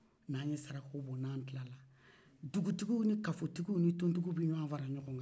n'an ye sarakaw bɔ n'an tilala dugutigiw ni kafotigi ni tontigiw bɛ ɲɔgɔn fara ɲɔgɔn kan